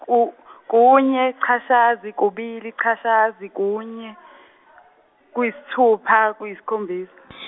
ku- kunye icashaza kubili ichashaza kunye, kuyisithupha kuyisikhombisa .